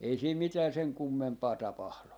ei siinä mitään sen kummempaa tapahdu